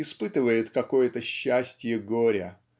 испытывает какое-то счастье горя